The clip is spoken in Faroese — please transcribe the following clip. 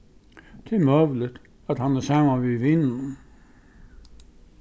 tað er møguligt at hann er saman við vinunum